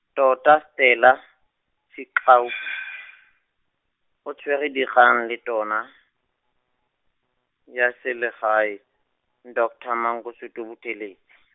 tota Stella, Sigcau, o tshwere dikgang le tona, ya selegae, doctor Mangosuthu Buthele- .